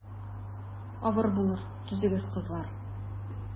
Авыр булыр, түзегез, кызлар.